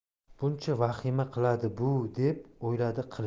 buncha vahima qiladi bu deb o'yladi qilich